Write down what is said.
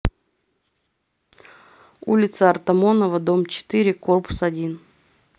улица артамонова дом четыре корпус один